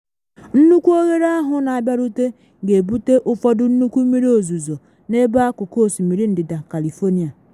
Nnukwu oghere ahụ na abịarute ga-ebute ụfọdụ nnukwu mmiri ozizo n’ebe akụkụ osimiri Ndịda California.